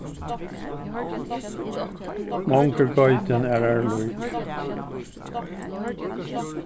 mong er geitin aðrari lík